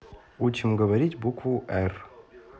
учим говорить букву р